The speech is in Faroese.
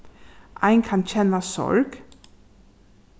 ein kann kenna sorg